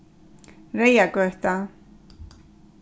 reyðagøta